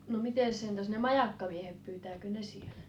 no miten - ne majakkamiehet pyytääkö ne siellä